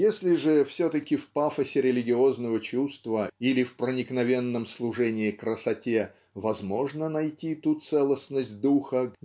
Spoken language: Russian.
Если же все-таки в пафосе религиозного чувства или в проникновенном служении красоте возможно найти ту целостность духа